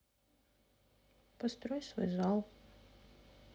построй свой зал